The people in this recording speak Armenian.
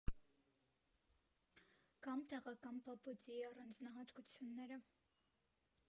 Կամ տեղական պապուծիի առանձնահատկությունները։